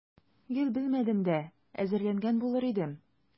Гел белмәдем дә, әзерләнгән булыр идем.